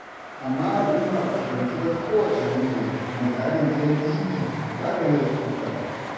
Amma al'umma ba su gamsu ba ta kowace hanya, kuma tsarin gidan TV ya gamu da suka.